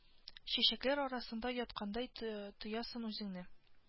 Чәчәкләр арасында яткандай тоясың үзеөне